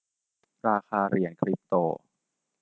ราคาเหรียญคริปโต